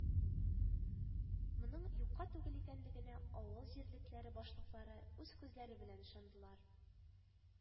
Моның юкка түгел икәнлегенә авыл җирлекләре башлыклары үз күзләре белән ышандылар